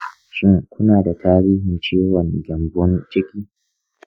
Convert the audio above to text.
shin kuna da tarihin ciwon gyambon ciki